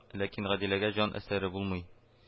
Ләкин Гадиләдә җан әсәре булмый